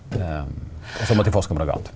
også måtte eg forske på noko anna.